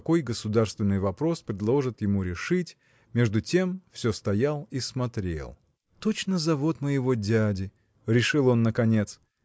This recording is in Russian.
какой государственный вопрос предложат ему решить между тем все стоял и смотрел. Точно завод моего дяди! – решил он наконец.